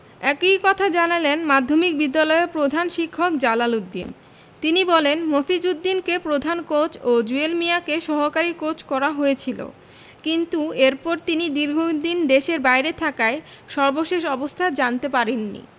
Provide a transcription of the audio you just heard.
একই কথা জানালেন মাধ্যমিক বিদ্যালয়ের প্রধান শিক্ষক জালাল উদ্দিন তিনি বলেন মফিজ উদ্দিনকে প্রধান কোচ ও জুয়েল মিয়াকে সহকারী কোচ করা হয়েছিল কিন্তু এরপর তিনি দীর্ঘদিন দেশের বাইরে থাকায় সর্বশেষ অবস্থা জানতে পারেননি